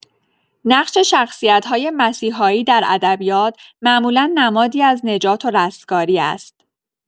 نقش شخصیت‌های مسیحایی در ادبیات، معمولا نمادی از نجات و رستگاری است.